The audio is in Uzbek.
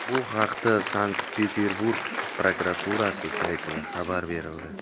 bu haqda sankt peterburg prokuraturasi saytida xabar berildi